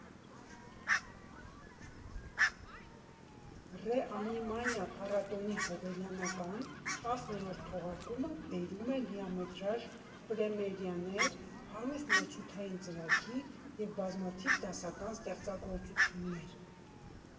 ՌեԱնիմանիա փառատոնի հոբելյանական՝ տասներորդ թողարկումը բերում է լիամետրաժ պրեմիերաներ, հարուստ մրցութային ծրագիր և բազմաթիվ դասական ստեղծագործություններ։